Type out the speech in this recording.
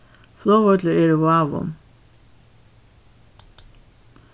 flogvøllur er í vágum